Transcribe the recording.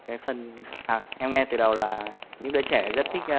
cái phần à em nghe từ đầu là những đứa trẻ rất thích